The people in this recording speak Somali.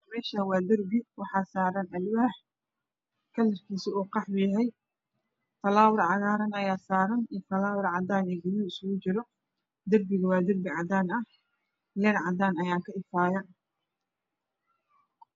Meeshan waa darbi waxaa yaalo alwaax midabkiisu kalarkiisu uu qaxwi yahay falawar cagaran ayaa saran falawar cadaan iyo gudud isugu jira darbigu waa darbi cadaan ah nin cadaan ah ayaaa ka ifaaya